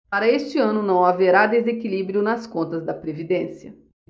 para este ano não haverá desequilíbrio nas contas da previdência